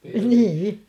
niin